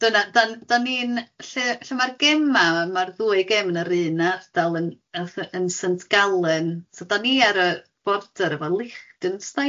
Dyna da dan ni'n lle lle ma'r gemau ma'r ddwy gem yn yr un ardal yn ath yy yn Saint Gallen so dan ni ar y border efo Lichtenstein dw'n meddwl.